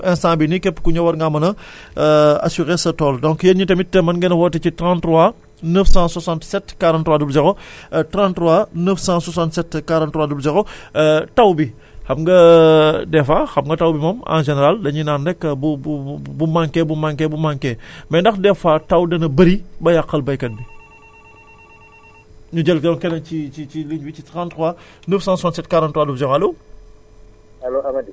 kon donc instant bii nii képp ku ñëw war ngaa mën a assurer sa tool donc yéen ñii tamit mën ngeen a woote ci 33 967 43 00 33 967 43 00 taw bi xam nga des fois xam nga taw bi moom en général dañu naan rekk bu bu bu bu manqué bu manqué bu manqué mais ndax des fois taw dana bëri ba yàqal baykat bi ñu jël donc keneen ci ci ci ligne bi ci 33 967 43 00 allo